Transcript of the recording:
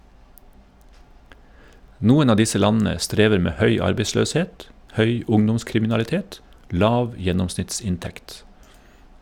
Noen av disse landene strever med høy arbeidsløshet, høy ungdomskriminalitet, lav gjennomsnittsinntekt.